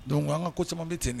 Don an ka ko caman bɛ teneni